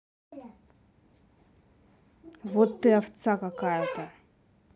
вот ты овца какая то